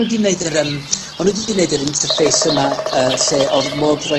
wedi neud yr yym, o'n nw 'di neud yr interface yma yy lle odd modd roi